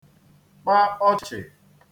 kpa ọchị̀